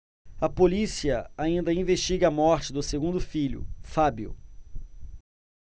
a polícia ainda investiga a morte do segundo filho fábio